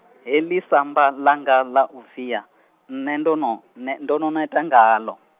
heḽi samba langa ḽa u via, nṋe ndo no ne- ndo no neta ngaḽo.